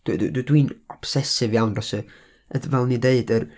D- d- dwi'n obsessive iawn dros y, fel o'n i'n deud, yr...